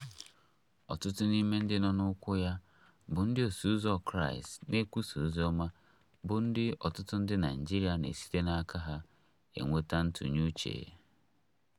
Ọtụtụ n'ime ndị nọ n'ụkwụ ya bụ Ndị Osoụzọ Kraịstị na-ekwusa ozi ọma, bụ ndị ọtụtụ ndị Naịjirịa na-esite n'aka ha enweta ntụnye uche.